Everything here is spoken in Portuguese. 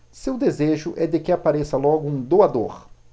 seu desejo é de que apareça logo um doador